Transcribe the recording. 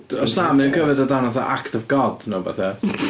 Os na mae o'n covered o dan fatha act of god neu rywbath ia .